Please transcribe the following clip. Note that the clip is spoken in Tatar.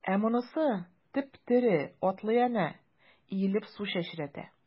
Ә монысы— теп-тере, атлый әнә, иелеп су чәчрәтә.